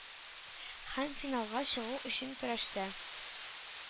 Һәм финалга чыгу өчен көрәштә